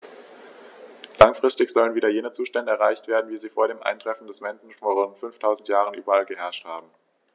Langfristig sollen wieder jene Zustände erreicht werden, wie sie vor dem Eintreffen des Menschen vor rund 5000 Jahren überall geherrscht haben.